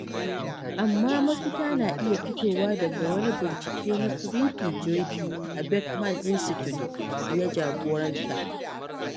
Amma mafita na iya fitowa daga wani bincike da Preethi Jyothi a Beckman Institute ya jagoranta, inda wata tawagar masana suka yi amfani da wata hanyar kimiyya ta samun rubuce-rubucen daga masu magana wanda ba yaren su ba ne.